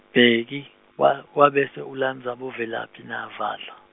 Bhelci, wa- wabese ulandza boVelaphi, naVadla.